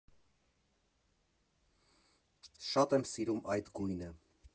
Շատ եմ սիրում այդ գույնը։